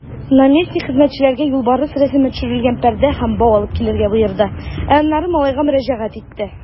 Наместник хезмәтчеләргә юлбарыс рәсеме төшерелгән пәрдә һәм бау алып килергә боерды, ә аннары малайга мөрәҗәгать итте.